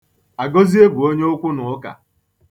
Agọzie bu onye okwunụka.